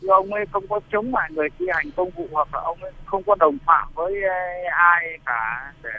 nhưng ông ấy không có chống lại người thi hành công vụ hoặc là ông ấy không có đồng phạm với ai cả